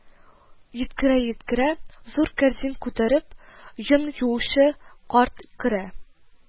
Йөткерә-йөткерә, зур кәрзин күтәреп, йон юучы карт керә